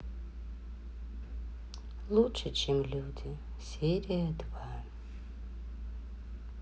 лучше чем люди серия два